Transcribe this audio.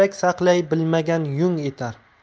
ipak saqlay bilmagan yung etar